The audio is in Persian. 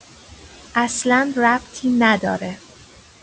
اصلا ربطی نداره.